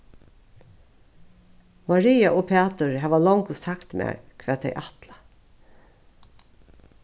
maria og pætur hava longu sagt mær hvat tey ætla